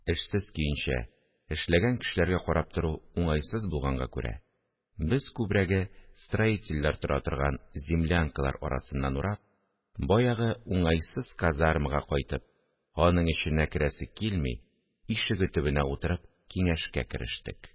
Эшсез көенчә эшләгән кешеләргә карап тору уңайсыз булганга күрә, без, күбрәге строительләр тора торган землянкалар арасыннан урап, баягы уңайсыз казармага кайтып, аның эченә керәсе килми, ишеге төбенә утырып киңәшкә керештек